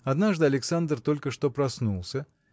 Однажды Александр только что проснулся.